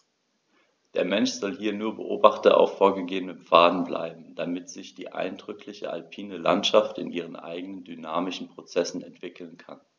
Der Mensch soll hier nur Beobachter auf vorgegebenen Pfaden bleiben, damit sich die eindrückliche alpine Landschaft in ihren eigenen dynamischen Prozessen entwickeln kann.